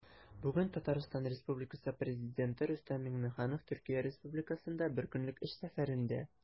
Бүген Татарстан Республикасы Президенты Рөстәм Миңнеханов Төркия Республикасында бер көнлек эш сәфәрендә.